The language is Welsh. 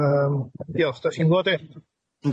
Yym diolch, 'da' chi'n nghlwad i?